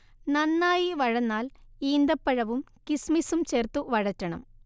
നന്നായി വഴന്നാൽ ഈന്തപ്പഴവും കിസ്മിസും ചേർത്തു വഴറ്റണം